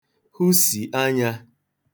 hụsì anyā